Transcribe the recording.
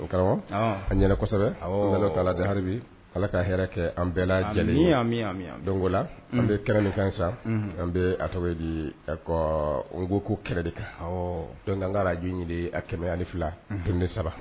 O karamɔgɔ, ɔn, a ɲɛna kosɛbɛ, awɔ, an bɛ Alahu taala deli, Ala ka hɛrɛ kɛ an bɛɛ lajɛlen ye, amin, donc o la an bɛ kɛnɛ min kan sisan, an bɛ a tɔgɔ ye di nkoko kɛnɛ de kan ɔ _donc an ka arajo in de ye a 102.3